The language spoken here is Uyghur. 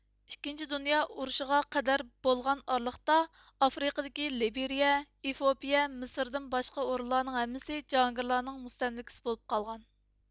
ئىككىنچى دۇنيا ئۇرۇشىغا قەدەر بولغان ئارىلىقتا ئافرىقىدىكى لېبرىيە ئېفىئوپىيە مىسىردىن باشقا ئورۇنلارنىڭ ھەممىسى جاھانگىرلارنىڭ مۇستەملىكىسى بولۇپ قالغان